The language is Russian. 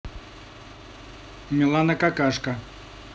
милана какашка